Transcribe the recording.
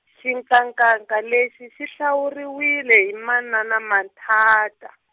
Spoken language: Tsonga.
Xinkankanka lexi xi hlawuriwile hi manana Manthata.